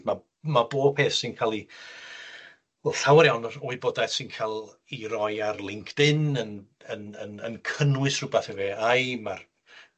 Ma' ma' bob peth sy'n ca'l 'i wel llawer iawn o r- o wybodaeth sy'n ca'l 'i roi ar LinkedIn yn yn yn yn cynnwys rywbath efo Ay I ma'r